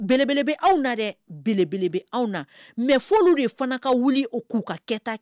Belebele aw na dɛ belebele aw na mɛ fo de fana ka wuli o k'u ka kɛ